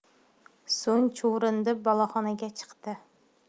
so'ng chuvrindi boloxonaga chiqdi